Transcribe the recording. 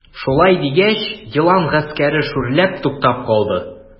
Шулай дигәч, елан гаскәре шүрләп туктап калды.